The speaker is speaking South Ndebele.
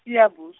Siyabus-.